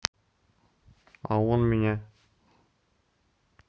а он меня